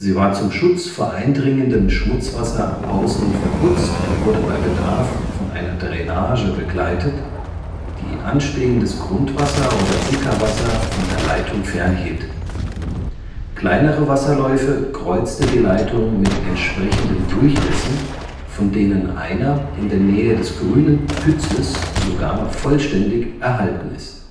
war zum Schutz vor eindringendem Schmutzwasser außen verputzt und wurde bei Bedarf von einer Drainage begleitet, die anstehendes Grundwasser/Sickerwasser von der Leitung fernhielt. Kleinere Wasserläufe kreuzte die Leitung mit entsprechenden Durchlässen, von denen einer in der Nähe des Grünen Pützes sogar noch vollständig erhalten ist